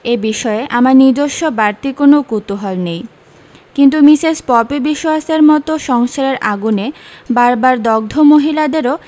এ বিষয়ে আমার নিজস্ব বাড়তি কোনো কুতূহল নেই কিন্তু মিসেস পপি বিশোয়াসের মতো সংসারের আগুনে বারবার দগ্ধ মহিলাদেরও